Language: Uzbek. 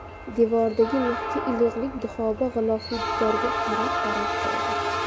devordagi mixga ilig'lik duxoba g'ilofli dutorga qarab qarab qo'ydi